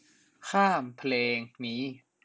ข้ามเพลงนี้